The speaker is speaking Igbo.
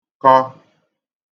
-kọ